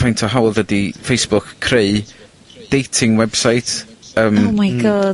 faint o hawdd ydi Facebook creu dating website yym... Oh my God.